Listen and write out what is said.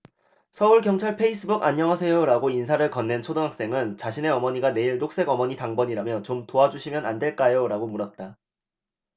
서울 경찰 페이스북안녕하세요라고 인사를 건넨 초등학생은 자신의 어머니가 내일 녹색 어머니 당번이라며 좀 도와주시면 안될까요라고 물었다